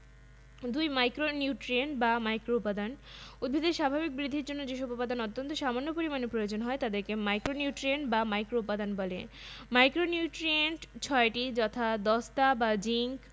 ক্রিয়া বিক্রিয়ায় পটাশিয়াম সহায়ক হিসেবে কাজ করে পত্ররন্ধ্র খেলা এবং বন্ধ হওয়ার ক্ষেত্রে পটাশিয়ামের গুরুত্ব অপরিসীম পটাশিয়াম উদ্ভিদে পানি শোষণে সাহায্য করে